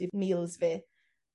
i f- meals fi.